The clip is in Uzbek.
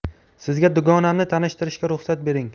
sizga dugonamni tanishtirishga ruxsat bering